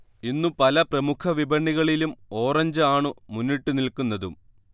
ഇന്നുപല പ്രമുഖ വിപണികളിലും ഓറഞ്ച് ആണു മുന്നിട്ടുനിക്കുന്നതും